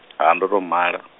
ha ndo tou mala.